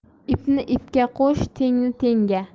ipni ipga qo'sh tengini tengiga